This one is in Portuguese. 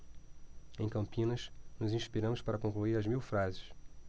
em campinas nos inspiramos para concluir as mil frases